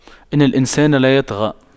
إِنَّ الإِنسَانَ لَيَطغَى